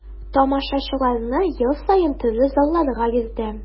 Тамашачыларны ел саен төрле залларга йөртәм.